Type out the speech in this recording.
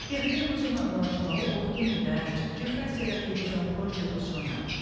perdemos uma ótima oportunidade de fazer a revisão constitucional